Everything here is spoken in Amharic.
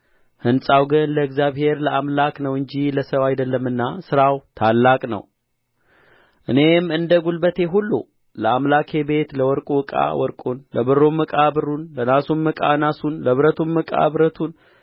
ሕንፃው ግን ለእግዚአብሔር ለአምላክ ነው እንጂ ለሰው አይደለምና ሥራው ታላቅ ነው እኔም እንደ ጕልበቴ ሁሉ ለአምላኬ ቤት ለወርቁ ዕቃ ወርቁን ለብሩም ዕቃ ብሩን ለናሱም ዕቃ ናሱን ለብረቱም ዕቃ ብረቱን